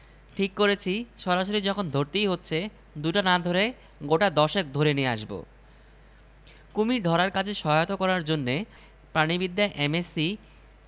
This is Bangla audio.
দূর থেকে চোখে পড়বে রাগী কুমীর' রাগী কুমীর শানে আমি কি রাগী আর্টিস্ট থমথমে গলায় বললেন কি যন্ত্রণা আপনি কি কুমীর না কি আপনার মাকা কুমীর